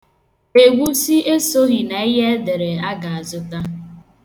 Egwusi esoghị na ihe edere a ga-azụta.